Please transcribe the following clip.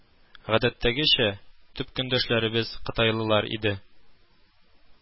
Гадәттәгечә, төп көндәшләребез кытайлылар иде